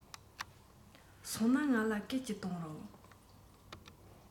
སོང ན ང ལ སྐད ཅིག གཏོང རོགས